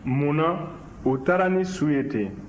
mun na u taara ni su ye ten